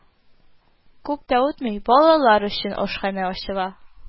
Күп тә үтми, балалар өчен ашханә ачыла